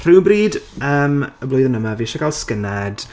Rhywbryd yym y blwyddyn yma fi eisiau gael skinhead.